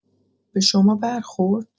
به شما برخورد؟